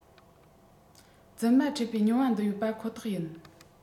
རྫུན མ འཕྲད པའི མྱོང བ འདི ཡོད པ ཁོ ཐག ཡིན